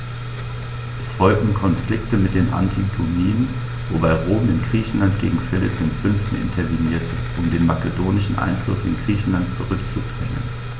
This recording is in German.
Es folgten Konflikte mit den Antigoniden, wobei Rom in Griechenland gegen Philipp V. intervenierte, um den makedonischen Einfluss in Griechenland zurückzudrängen.